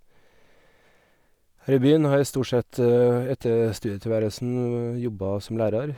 Her i byen har jeg stort sett etter studietilværelsen jobba som lærer.